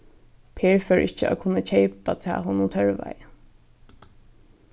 per fór ikki at kunna keypa tað honum tørvaði